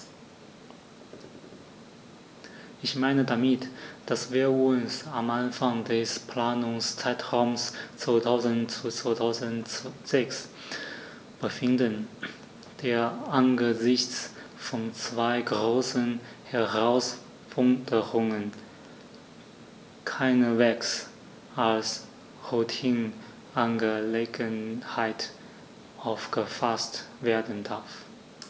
Ich meine damit, dass wir uns am Anfang des Planungszeitraums 2000-2006 befinden, der angesichts von zwei großen Herausforderungen keineswegs als Routineangelegenheit aufgefaßt werden darf.